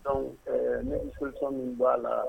Donc ɛɛ ne bɛ solution min dɔn a la